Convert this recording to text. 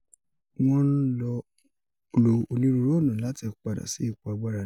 ”Wọ́n ń lo onírúurú ọ̀nà láti padà sí ipò agbára ni.